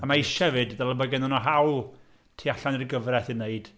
A mae eisiau hefyd, dyle bod gennyn nhw hawl tu allan i'r gyfraith i wneud.